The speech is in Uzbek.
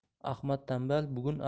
ahmad tanbal bugun